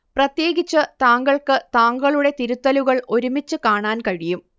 പ്രത്യേകിച്ച് താങ്കൾക്ക് താങ്കളുടെ തിരുത്തലുകൾ ഒരുമിച്ച് കാണാൻ കഴിയും